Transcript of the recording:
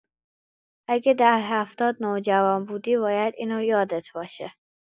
اگه دهه هفتاد نوجوان بودی، باید اینو یادت باشه!